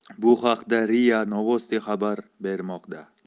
bu haqda ria novosti xabar bermoqda